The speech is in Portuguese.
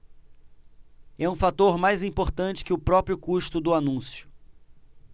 é um fator mais importante que o próprio custo do anúncio